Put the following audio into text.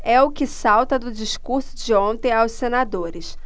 é o que salta do discurso de ontem aos senadores